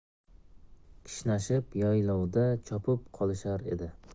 kishnashib yaylovda chopib qolishar edi